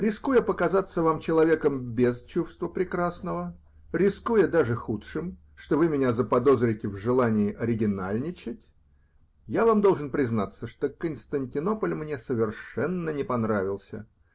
Рискуя показаться вам человеком без чувства прекрасного, рискуя даже худшим -- что вы меня заподозрите в желании оригинальничать, -- я вам должен признаться, что Константинополь мне совершенно не понравился.